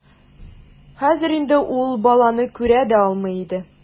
Хәзер инде ул баланы күрә дә алмый иде.